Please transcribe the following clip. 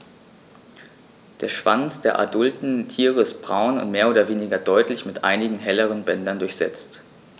Der Schwanz der adulten Tiere ist braun und mehr oder weniger deutlich mit einigen helleren Bändern durchsetzt.